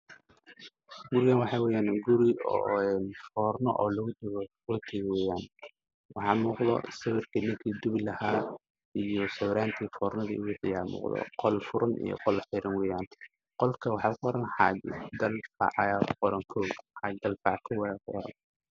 Halkaan waxaa ka muuqdo guri wayn oo cadaan waxaan ku jooraysan sawiro sida nin iyo rooti. Meeshaana waa meel foorno ah